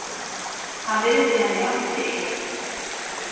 hann vildi henni einki ilt